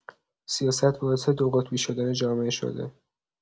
سیاست باعث دوقطبی شدن جامعه شده.